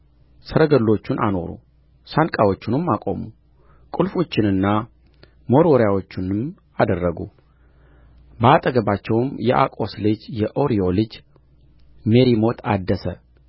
ሰረገሎቹን አኖሩ ሳንቃዎቹንም አቆሙ ቍልፎቹንና መወርወሪያዎቹንም አደረጉ በአጠገባቸውም የአቆስ ልጅ የኦርዮ ልጅ ሜሪሞት አደሰ